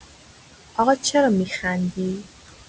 آقا چرا می‌خندی؟